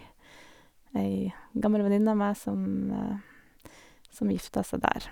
Ei gammel venninne av meg som som gifta seg der.